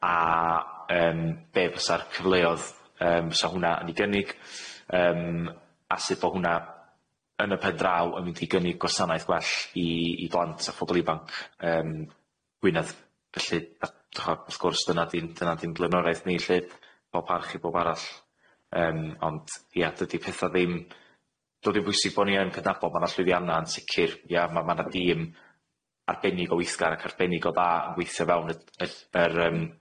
a yym be fysa'r cyfleodd yym fysa hwnna yn 'i gynnig yym a sud bo hwnna yn y pen draw yn mynd i gynnig gwasanaeth gwell i i blant a phobol ifanc yym gwynedd felly a t' ch'o wrth gwrs dyna di'n dyna di'n blaenoeiaeth ni lly pob parch i bawb arall yym ond ia dydi petha ddim bwysig bo ni yn cydnabod bo 'na llwyddianna yn sicir ia ma' ma' 'na dîm arbennig o weithgar ac arbennig o dda yn gweithio fewn y yy yr yym y